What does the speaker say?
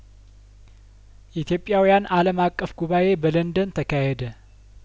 የኢትዮጵያውያን አለም አቀፍ ጉባኤ በለንደን ተካሄደ